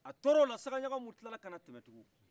a tor'ola sakaɲakamu kilala ka na tɛmɛ tugun